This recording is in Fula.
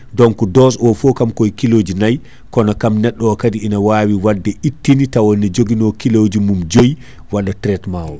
donc dose o foo kam koye kiloji nayyi kono kam neɗɗo o kaadi ina wawi wadde ittini tawa ina joguino kiloji mum jooy waɗa traitement o